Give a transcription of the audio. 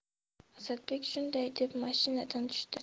asadbek shunday deb mashinadan tushdi